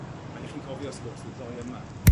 Ag 'ych chi'n cofio w'th gwrs y ddou yma,